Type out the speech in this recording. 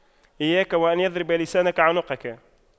إياك وأن يضرب لسانك عنقك